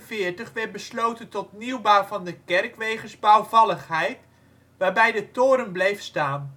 1845 werd besloten tot nieuwbouw van de kerk wegens bouwvalligheid, waarbij de toren bleef staan